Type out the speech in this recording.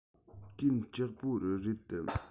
གན ལྕོགས པོ རི རེད དམ